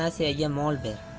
nasiyaga mol ber